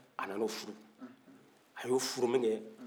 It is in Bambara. a na na o furu a yo furu min kɛ